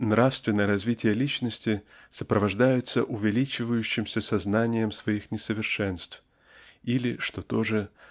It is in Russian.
нравственное развитие личности сопровождается увеличивающимся сознанием своих несовершенств. или что то же